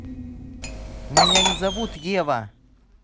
у меня не зовут ева